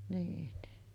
niin